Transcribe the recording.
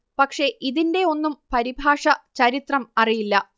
പക്ഷെ ഇതിന്റെ ഒന്നും പരിഭാഷ ചരിത്രം അറിയില്ല